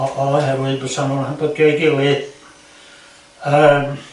o- o- o- oherwydd basa n'w'n hambygio ei gilydd yym.